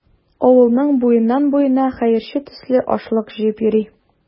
Авылның буеннан-буена хәерче төсле ашлык җыеп йөри.